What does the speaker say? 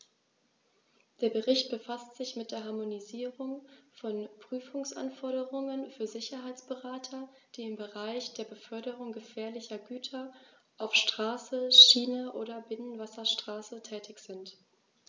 Der Bericht befasst sich mit der Harmonisierung von Prüfungsanforderungen für Sicherheitsberater, die im Bereich der Beförderung gefährlicher Güter auf Straße, Schiene oder Binnenwasserstraße tätig sind.